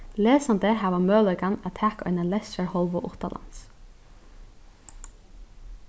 lesandi hava møguleikan at taka eina lestrarhálvu uttanlands